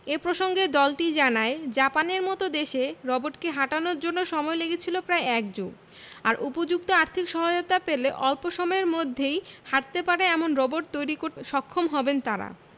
এ প্রসঙ্গে দলটি জানায় জাপানের মতো দেশে রোবটকে হাঁটানোর জন্য সময় লেগেছিল প্রায় এক যুগ আর উপযুক্ত আর্থিক সহায়তা পেলে অল্প সময়ের মধ্যেই হাঁটতে পারে এমন রোবট তৈরি করতে সক্ষম হবেন তারা